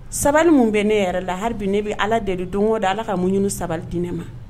Sabali min bɛ ne yɛrɛ la hali bi ne bɛ allah deeli don o don allah ka munɲun ni sabali di ne ma.